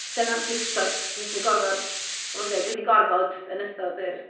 Dyna jyst, tibod, ti jyst yn gorfod... fel dwi'n deud, dwi 'di gorfod yn ystod yr...